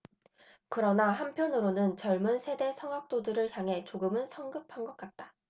그러나 한편으로는 젊은 세대 성악도들을 향해 조금은 성급한 것 같다